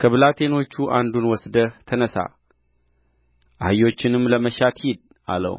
ከብላቴኖቹ አንዱን ወስደህ ተነሣ አህዮችንም ለመሻት ሂድ አለው